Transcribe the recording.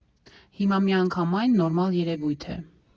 Հիմա միանգամայն նորմալ երևույթ է։